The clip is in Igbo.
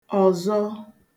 ọ̀zọ